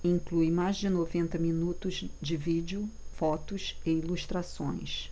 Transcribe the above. inclui mais de noventa minutos de vídeo fotos e ilustrações